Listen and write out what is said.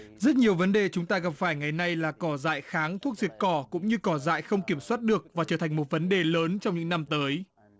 rất nhiều vấn đề chúng ta gặp phải ngày nay là cỏ dại kháng thuốc diệt cỏ cũng như cỏ dại không kiểm soát được và trở thành một vấn đề lớn trong những năm tới